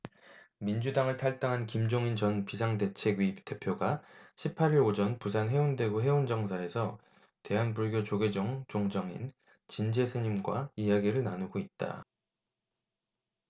민주당을 탈당한 김종인 전 비상대책위 대표가 십 팔 일 오전 부산 해운대구 해운정사에서 대한불교조계종 종정인 진제 스님과 이야기를 나누고 있다